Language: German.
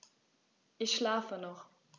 Ich schlafe noch.